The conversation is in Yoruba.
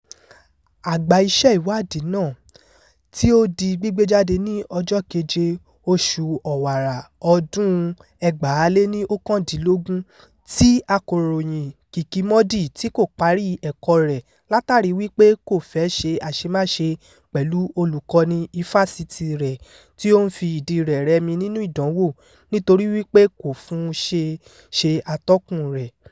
Àgbà iṣẹ́ ìwádìí náà, tí ó di gbígbé jáde ní ọjọ́ kéje oṣù Ọ̀wàrà 2019, tí akọ̀ròyin Kiki Mordi tí kò parí ẹ̀kọ́ọ rẹ̀ látàríi wípé kò fẹ́ ṣe àṣemáṣe pẹ̀lú olùkọ́ní ifásitì rẹ̀ tí ó ń fi ìdíi rẹ̀ rẹmi nínú ìdánwò nítorí wípé kò fún un ṣe ṣe atọ́kùn-un rẹ̀: